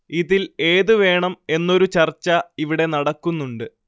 ഇതില്‍ ഏത് വേണം എന്നൊരു ചര്‍ച്ച ഇവിടെ നടക്കുന്നുണ്ട്